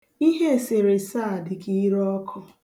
Ihe eserese a dịka ireọkụ.